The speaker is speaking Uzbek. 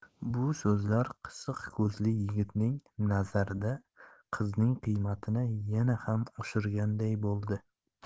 bu so'zlar qisiq ko'zli yigitning nazarida qizning qiymatini yana ham oshirganday bo'ldi